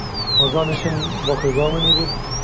Казан өчен вакыйгамыни бу?